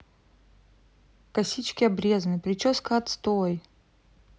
косички обрезные прическа отстой